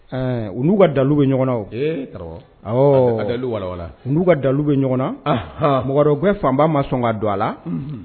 U n'u ka dalilu bɛ ɲɔgɔn o awɔ o n'u ka dalilu bɛ ɲɔgɔn na mɔgɔ bɛɛ fanba ma sɔn ka don a la.